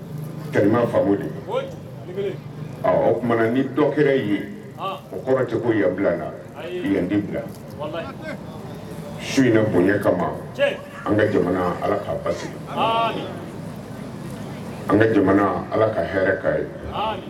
O ni kɛra ye o kɔrɔtɛ ko ya bila yan di bila su bonya kama ma an ka ala k'a basi an ka ala ka hɛrɛɛ k' ye